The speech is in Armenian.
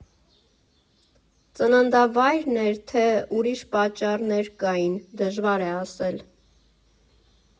Ծննդավա՞յրն էր, թե՞ ուրիշ պատճառներ կային՝ դժվար է ասել։